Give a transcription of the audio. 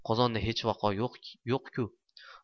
qozonda hech vaqo yo'q ku